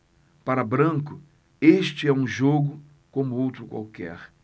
para branco este é um jogo como outro qualquer